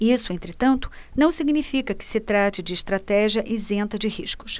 isso entretanto não significa que se trate de estratégia isenta de riscos